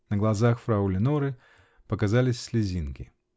-- На глазах фрау Леноры показались слезинки.